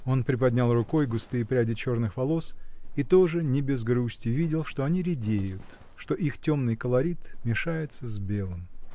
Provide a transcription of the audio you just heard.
Он приподнял рукой густые пряди черных волос и тоже не без грусти видел, что они редеют, что их темный колорит мешается с белым.